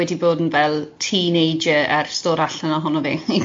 wedi bod yn fel teenager ers dod allan ohonno fi.